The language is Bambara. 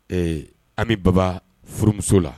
Ɛɛ an bɛ baba furumuso la